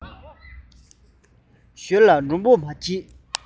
ཞོལ ལ མགྲོན པོ མ མཆིས